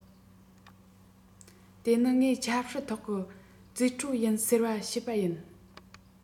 དེ ནི ངའི ཆབ སྲིད ཐོག གི རྩིས སྤྲོད ཡིན ཟེར བཤད པ ཡིན